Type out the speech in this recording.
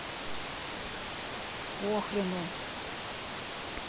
похрену